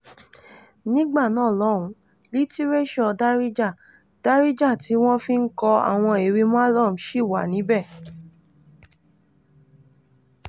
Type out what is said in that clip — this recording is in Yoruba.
Nígbà náà lọ́hùn, litiréṣọ̀ Darija, Darija ti wọ́n fi ń kọ àwọn ewì Malhoun, ṣì wà níbẹ̀.